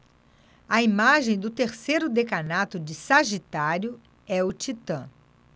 a imagem do terceiro decanato de sagitário é o titã